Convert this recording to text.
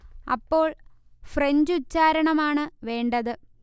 അപ്പോൾ ഫ്രഞ്ചുച്ചാരണമാണ് വേണ്ടത്